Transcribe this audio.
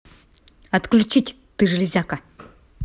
отключить ты железка